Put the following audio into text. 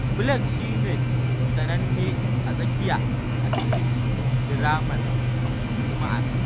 Flake shi ne sananne a tsakiya a cikin diramar Juma’ar.